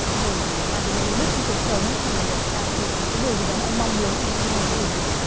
để đạt được mục đích trong cuộc sống hoặc là để đạt được cái điều gì đó mà em mong muốn thì em mong muốn điều gì